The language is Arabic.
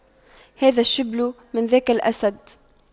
هذا الشبل من ذاك الأسد